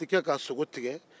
a tɛ kɛ ka sogo tigɛ